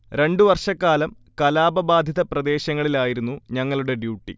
രണ്ടു വർഷക്കാലം കലാപബാധിത പ്രദേശങ്ങളിലായിരുന്നു ഞങ്ങളുടെ ഡൃൂട്ടി